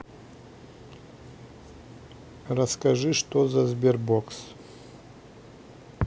расскажи что за sberbox